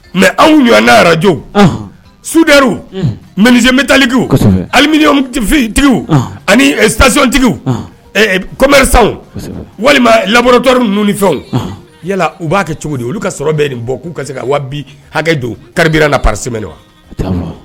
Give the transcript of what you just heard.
Mɛ anw ɲɔ' araj sud mmɛtaliku alitigiw ani sasɔnontigiw kɔmɛ walima labtɔ ninnu fɛnw yala u b'a kɛ cogo di olu ka sɔrɔ bɛ nin bɔ k'u ka se ka wabi hakɛ don karira na pasisɛm wa